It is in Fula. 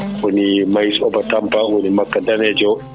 woni mais soba tampa woni makka daneejo o